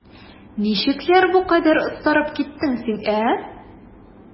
Ничекләр бу кадәр остарып киттең син, ә?